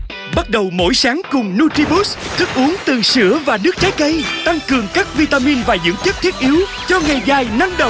bắt đầu mỗi sáng cùng nu tri bút thức uống từ sữa và nước trái cây tăng cường các vi ta min và dưỡng chất thiết yếu cho ngày dài năng động